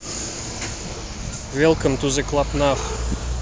welcome to the club now